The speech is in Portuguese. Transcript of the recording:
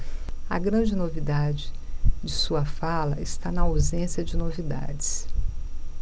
a grande novidade de sua fala está na ausência de novidades